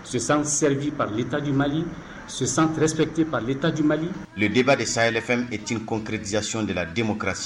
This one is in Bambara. Sonsansɛriti paa ta mali sonsan reptip li ta ju malili le deba de sa yɛrɛfɛn et kɔnpiridzsion de la den kɛrasi